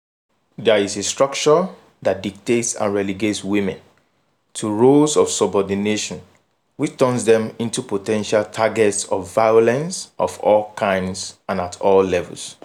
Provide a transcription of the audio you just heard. There is a structure that dictates and relegates women to roles of subordination which turns them into potential targets of violence of all kinds and at all levels.